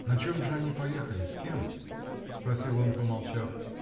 — На чем же они поехали, с кем? — спросил он, помолчав.